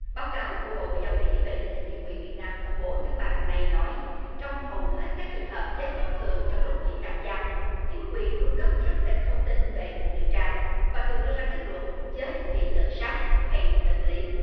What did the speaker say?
báo cáo của bộ ngoại giao mỹ về tình hình nhân quyền việt nam công bố tháng ba năm nay nói trong hầu hết các trường hợp chết bất thường trong lúc bị tạm giam chính quyền cung cấp rất ít thông tin về cuộc điều tra và thường đưa ra kết luận chết vì tự sát hay bệnh lý